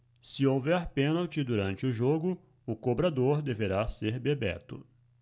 se houver pênalti durante o jogo o cobrador deverá ser bebeto